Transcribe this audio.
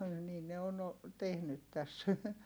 niin ne on - tehnyt tässä